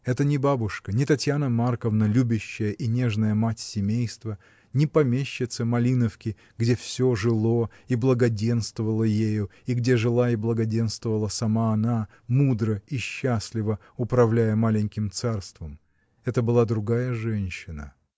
Это не бабушка, не Татьяна Марковна, любящая и нежная мать семейства, не помещица Малиновки, где всё жило и благоденствовало ею и где жила и благоденствовала сама она, мудро и счастливо управляя маленьким царством. Это была другая женщина.